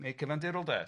neu cyfandirol 'de.